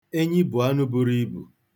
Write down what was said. Enyị bụ anụ buru ibu.